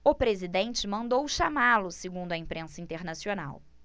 o presidente mandou chamá-lo segundo a imprensa internacional